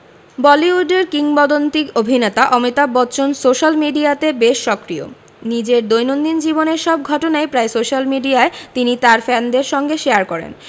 বলিউডের কিংবদন্তী অভিনেতা অমিতাভ বচ্চন সোশ্যাল মিডিয়াতে বেশ সক্রিয় নিজের দৈনন্দিন জীবনের সব ঘটনাই প্রায় সোশ্যাল মিডিয়ায় তিনি তার ফ্যানেদের সঙ্গে শেয়ার করেন